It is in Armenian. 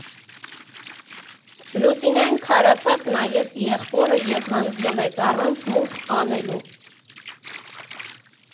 Լուսինեն քարացած նայեց եղբորը և հանձնվեց առանց մուխ անելու.